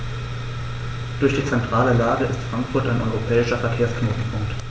Durch die zentrale Lage ist Frankfurt ein europäischer Verkehrsknotenpunkt.